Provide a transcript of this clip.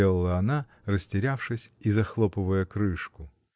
— сделала она, растерявшись и захлопывая крышку.